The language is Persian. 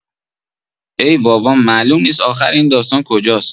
ای بابا معلوم نیست آخر این داستان کجاست.